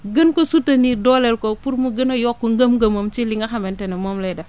gën ko soutenir dooleel ko pour mu gën a yokk ngëm-ngëmam ci li nga xamante ne moom lay def